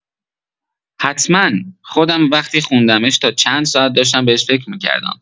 حتما، خودم وقتی خوندمش تا چند ساعت داشتم بهش فکر می‌کردم.